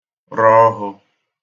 ra ọhū